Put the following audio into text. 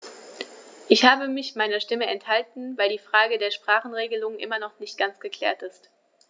Ich habe mich meiner Stimme enthalten, weil die Frage der Sprachenregelung immer noch nicht ganz geklärt ist.